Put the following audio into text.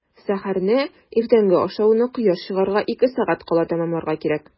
Сәхәрне – иртәнге ашауны кояш чыгарга ике сәгать кала тәмамларга кирәк.